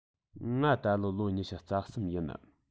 ང ད ལོ ལོ ཉི ཤུ རྩ གསུམ ཡིན